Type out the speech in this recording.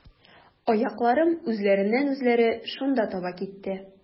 Аякларым үзләреннән-үзләре шунда таба китте.